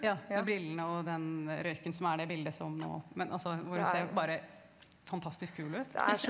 ja med brillene og den røyken som er det bildet som nå men altså hvor hun ser bare fantastisk kul ut.